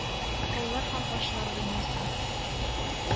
Коллар һәм ачлар дөньясы